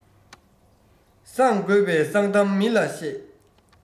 གསང དགོས པའི གསང གཏམ མི ལ བཤད